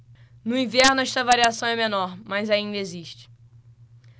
no inverno esta variação é menor mas ainda existe